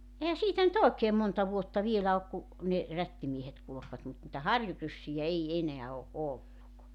eihän siitä nyt oikein monta vuotta vielä ole kun ne rättimiehet kulkivat mutta niitä harjuryssiä ei enää ole ollut